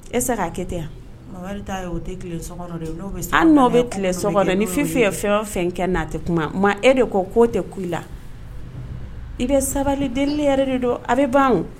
Esa' kɛ yan wari o an n' bɛ tile so ni fifin ye fɛn o fɛn kɛ'a tɛ kuma ma e de ko ko tɛ ku la i bɛ sabali delieli yɛrɛ de don a bɛ ban